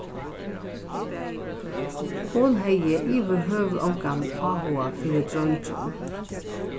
hon hevði yvirhøvur ongan áhuga fyri dreingjum